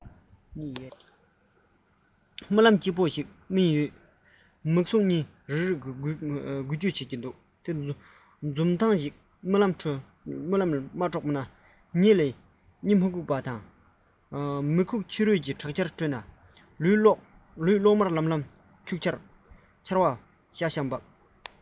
རྨི ལམ ཡང སྐྱིད པོ ཞིག རྨི བཞིན ལོས ཡོད མིག ཟུང གཉིས རིག རིག འགུལ གདོང ལ འཛུམ ཞིག ལངས འདུག རྨི ལམ མ དཀྲོགས པ གཉིད ཡེ ནས མི ཁུག ཕྱི རོལ གྱི དྲག ཆར ཁྲོད ན ལུས གློག དམར ལམ ལམ འཁྱུག ཆར བ ཤག ཤག འབབ